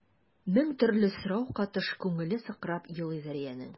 Мең төрле сорау катыш күңеле сыкрап елый Зәриянең.